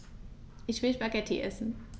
Ich will Spaghetti essen.